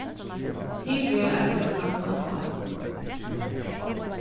til ber eisini at standa á tá